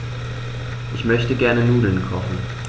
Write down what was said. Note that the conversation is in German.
Ich möchte gerne Nudeln kochen.